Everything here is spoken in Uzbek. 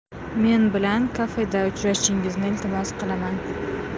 men bilan kafeda uchrashingizni iltimos qilaman